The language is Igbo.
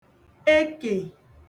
ekè